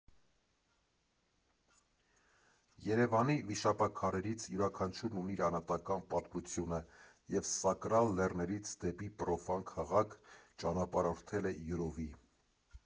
Երևանի վիշապաքարերից յուրաքանչյուրն ունի իր անհատական պատմությունը և սակրալ լեռներից դեպի պրոֆան քաղաք ճանապարհորդել է յուրովի։